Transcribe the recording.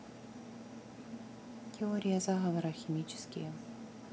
теория заговора химические